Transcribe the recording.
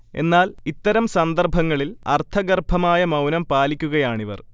എന്നാൽ ഇത്തരം സന്ദർഭങ്ങളിൽ അർത്ഥഗർഭമായ മൗനം പാലിക്കുകയാണിവർ